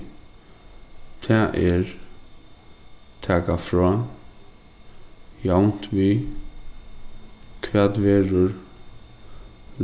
tað er taka frá javnt við hvat verður